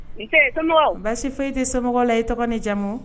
Unse somɔgɔw ? Basi foyi tɛ semɔgɔw la i tɔgɔ ni jamu?